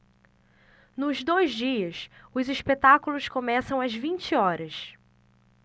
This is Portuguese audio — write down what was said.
nos dois dias os espetáculos começam às vinte horas